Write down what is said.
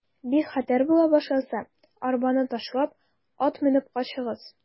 Бик хәтәр була башласа, арбаны ташлап, ат менеп качыгыз.